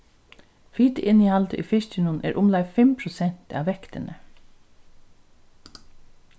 fitiinnihaldið í fiskinum er umleið fimm prosent av vektini